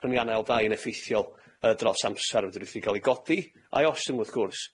prynu ar ail dai yn effeithiol yy dros amsar, wedyn fedrith hi ca'l 'i godi a'i ostwng wrth gwrs,